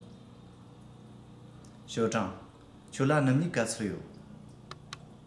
ཞའོ ཀྲང ཁྱོད ལ སྣུམ སྨྱུག ག ཚོད ཡོད